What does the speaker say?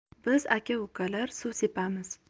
biz aka ukalar suv sepamiz